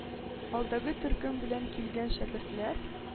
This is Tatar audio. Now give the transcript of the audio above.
Алдагы төркем белән килгән шәкертләр,